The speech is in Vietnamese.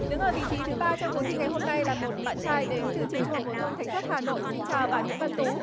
đứng ở vị trí thứ ba trong cuộc thi ngày hôm nay là một bạn trai đến từ trường trung học phổ thông thạch thất hà nội xin chào bạn nguyễn văn tú